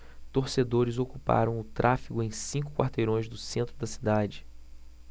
torcedores ocuparam o tráfego em cinco quarteirões do centro da cidade